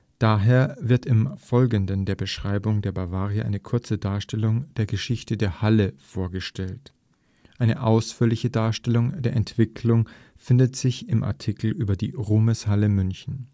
Daher wird im Folgenden der Beschreibung der Bavaria eine kurze Darstellung der Geschichte der Halle vorangestellt. Eine ausführlichere Darstellung der Entwicklung findet sich im Artikel über die Ruhmeshalle München